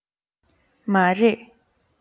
མ རེད